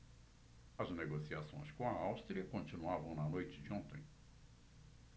as negociações com a áustria continuavam na noite de ontem